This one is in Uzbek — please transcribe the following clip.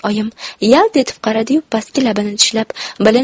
oyim yalt etib qaradi yu pastki labini tishlab